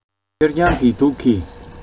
ཁེར རྐྱང གི སྡུག གིས